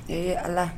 Ee ala